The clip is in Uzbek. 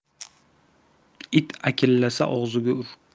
it akillasa og'ziga ur